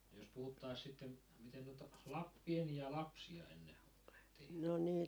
jos puhuttaisiin sitten miten noita - pieniä lapsia ennen hoidettiin